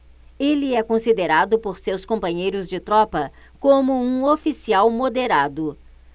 ele é considerado por seus companheiros de tropa como um oficial moderado